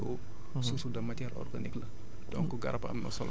mais li fay wàcc wadd ci ay xob ak yooyu bu décomposé woo